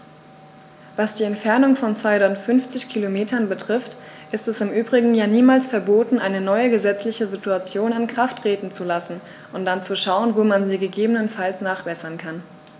Was die Entfernung von 250 Kilometern betrifft, ist es im Übrigen ja niemals verboten, eine neue gesetzliche Situation in Kraft treten zu lassen und dann zu schauen, wo man sie gegebenenfalls nachbessern kann.